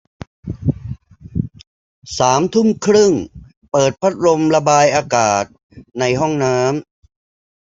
สามทุ่มครึ่งเปิดพัดลมระบายอากาศในห้องน้ำ